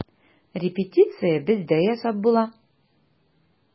Репетиция бездә ясап була.